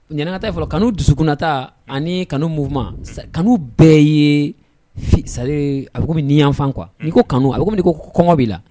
Ɲɛnɛkata fɔlɔ kanuu dusu kunnanata ani kanu ma kanu bɛɛ ye sa a bɛ' yanfan qu kuwa'i kanu a ko n ko kɔngɔ b'i la